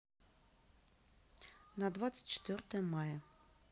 на двадцать четвертое мая